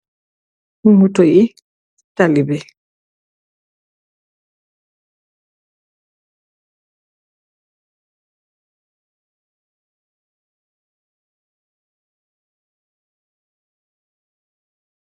Moto yi, tali bi.